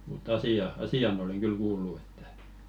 mutta asia asian olen kyllä kuullut että